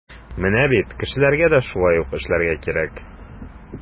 Менә бит кешеләргә дә шулай ук эшләргә кирәк.